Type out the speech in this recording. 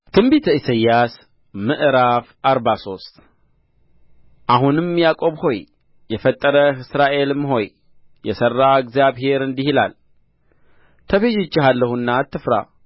ትንቢተ ኢሳይያስ ምዕራፍ አርባ ሶስት አሁንም ያዕቆብ ሆይ የፈጠረህ እስራኤልም ሆይ የሠራህ እግዚአብሔር እንዲህ ይላል ተቤዥቼሃለሁና አትፍራ